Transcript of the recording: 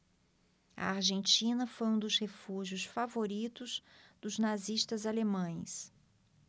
a argentina foi um dos refúgios favoritos dos nazistas alemães